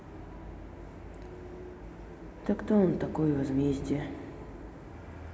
да кто он такой возмездие